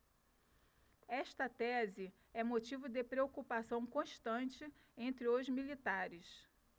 esta tese é motivo de preocupação constante entre os militares